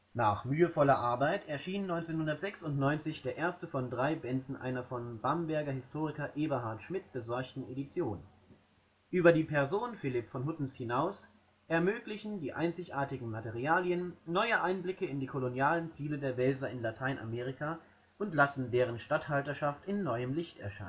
Nach mühevoller Arbeit erschien 1996 der erste von drei Bänden einer vom Bamberger Historiker Eberhard Schmitt besorgten Edition. Über die Person Philipp von Huttens hinaus ermöglichen die einzigartigen Materialien neue Einblicke in die kolonialen Ziele der Welser in Lateinamerika und lassen deren Statthalterschaft in neuem Licht